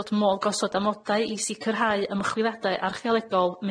fod modd gosod amodau i sicrhau ymchwiladau archeolegol,